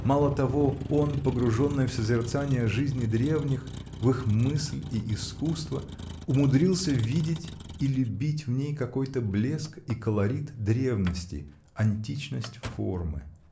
Мало того, он, погруженный в созерцание жизни древних, в их мысль и искусство, умудрился видеть и любить в ней какой-то блеск и колорит древности, античность формы.